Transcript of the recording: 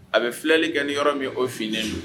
A bɛ filɛlen kɛ ni yɔrɔ min o flen don